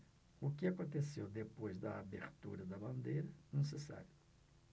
o que aconteceu depois da abertura da bandeira não se sabe